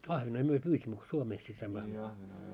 ahvenia me pyysimme kun Suomessakin saimme ahvenia